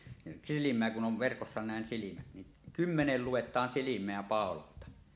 niin silmää kun on verkossa näin silmät niin kymmenelle luetaan silmää paulalta